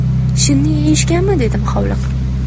shinni yeyishgami dedim hovliqib